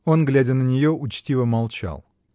Он, глядя на нее, учтиво молчал.